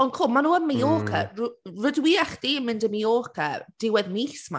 Ond co- maen nhw yn Mallorca… ry- rydw i a chdi yn mynd i Mallorca diwedd mis ‘ma.